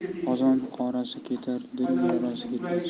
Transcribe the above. qozon qorasi ketar dil yarasi ketmas